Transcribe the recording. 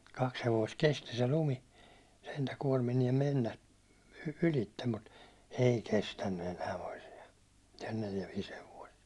kaksi hevosta kesti se lumi sentään kuormineen mennä ylitse mutta ei kestänyt enää toisia neljä viisi hevosta